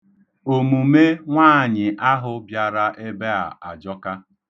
Omume nwaanyị ahụ bịara ebe a ajọka.